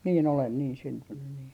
niin olen niin syntynyt niin